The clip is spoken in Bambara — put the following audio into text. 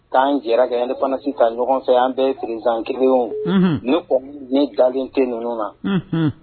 K'an jɛra ka indépendance ta ɲɔgɔn fɛ, an bɛɛ ye président kelen yeoo unhun, ne ko, ne dalen tɛ ninnu na, unhun.